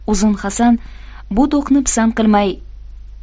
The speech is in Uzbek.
uzun hasan bu do'qni pisand qilmay